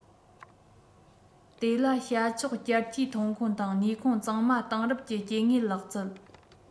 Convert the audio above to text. དེ ལ བྱ ཆོག བསྐྱར སྐྱེའི ཐོན ཁུངས དང ནུས ཁུངས གཙང མ དེང རབས ཀྱི སྐྱེ དངོས ལག རྩལ